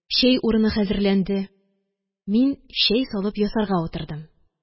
Чәй урыны хәзерләнде. Мин чәй салып ясарга утырдым.